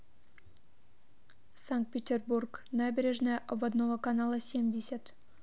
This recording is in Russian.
санкт петербург набережная обводного канала семьдесят